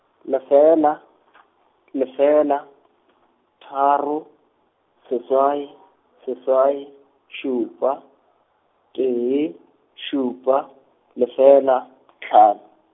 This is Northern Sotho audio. lefela , lefela , tharo, seswai, seswai, šupa, tee, šupa, lefela , hlano.